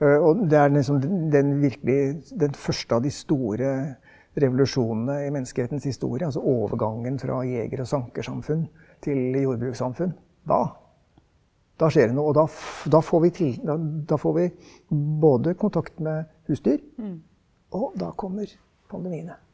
og det er liksom den virkelig den første av de store revolusjonene i menneskehetens historie altså overgangen fra jeger- og sankersamfunn til jordbrukssamfunn, da da skjer det noe, og da da får vi da da får vi både kontakt med husdyr, og da kommer pandemiene.